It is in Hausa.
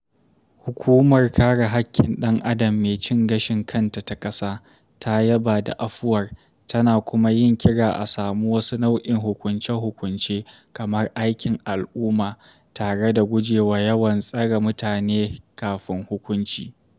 Hukumar Kare Hakkin Ɗan Adam Mai Cin Gashin Kanta ta Ƙasa ta yaba da afuwar, tana kuma yi kiran a samu wasu nau'in hukunce-hukunce, kamar aikin al'umma, tare da guje wa yawan tsare mutane kafin hukunci.